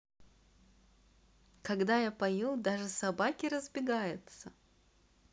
когда я пою даже собаки разбегаются